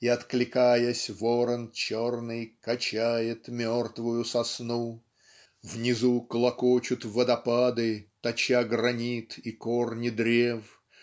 И, откликаясь, ворон черный Качает мертвую сосну. Внизу клокочут водопады Точа гранит и корни древ